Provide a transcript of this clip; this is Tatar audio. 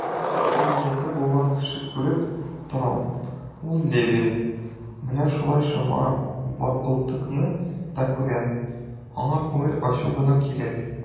Мин җитди нияте булган кешене күреп торам, ул Левин; менә шул шома бытбылдыкны да күрәм, аңа күңел ачу гына кирәк.